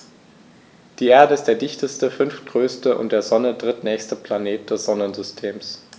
Die Erde ist der dichteste, fünftgrößte und der Sonne drittnächste Planet des Sonnensystems.